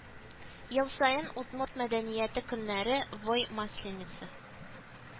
Ел саен удмурт мәдәнияте көннәре, Вой масленица